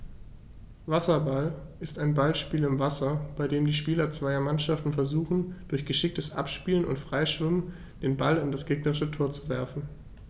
Wasserball ist ein Ballspiel im Wasser, bei dem die Spieler zweier Mannschaften versuchen, durch geschicktes Abspielen und Freischwimmen den Ball in das gegnerische Tor zu werfen.